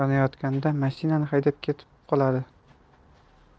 odam yonayotganda mashinani haydab ketib qoladi